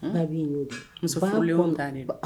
Babili in ye o de ye , musofurulenw ta de don.